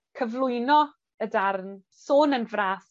cyflwyno y darn, sôn yn fras